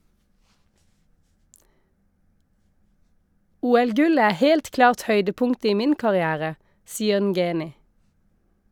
- OL-gullet er helt klart høydepunktet i min karriere, sier Ngeny.